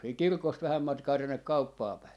siitä kirkosta vähän matkaa tuonne kauppaan päin